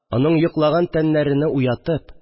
Аның йоклаган тәннәрене уятып